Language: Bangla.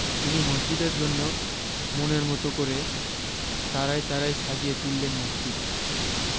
তিনি মসজিদের জন্যে মনের মতো করে তারায় তারায় সাজিয়ে তুললেন মসজিদ